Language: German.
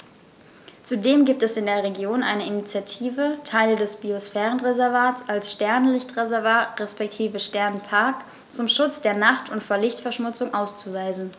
Zudem gibt es in der Region eine Initiative, Teile des Biosphärenreservats als Sternenlicht-Reservat respektive Sternenpark zum Schutz der Nacht und vor Lichtverschmutzung auszuweisen.